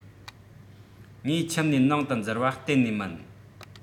ངའི ཁྱིམ ནས ནང དུ འཛུལ བ གཏན ནས མིན